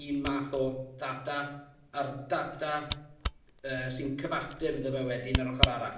un math o ddata a'r data yy sy'n cyfateb iddo fe wedyn yr ochr arall.